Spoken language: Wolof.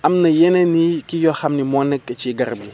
am na yeneen i kii yoo xam ne moo nekk ci garab gi